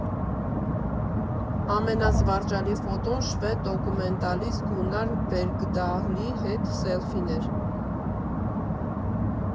Ամենազվարճալի ֆոտոն շվեդ դոկումենտալիստ Գուննար Բերգդահլի հետ սելֆին էր։